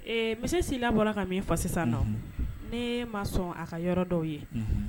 Misisilabɔ ka min fa sisan nɔ ne ma sɔn a ka yɔrɔ dɔw ye